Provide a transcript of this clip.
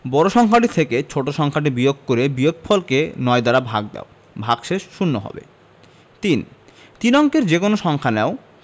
বড় সংখ্যাটি থেকে ছোট ছোট সংখ্যাটি বিয়োগ করে বিয়োগফলকে ৯ দ্বারা ভাগ দাও ভাগশেষ শূন্য হবে ৩ তিন অঙ্কের যেকোনো সংখ্যা নাও